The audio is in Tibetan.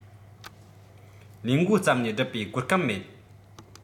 ལས མགོ བརྩམས ནས བསྒྲུབས པའི གོ སྐབས མེད